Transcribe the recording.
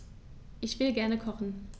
Ich will gerne kochen.